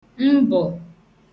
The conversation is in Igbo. mbọ̀